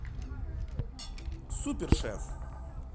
супер шеф